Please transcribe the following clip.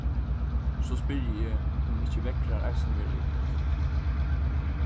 og so spyrji eg um ikki veðrar eisini verða yvirkoyrdir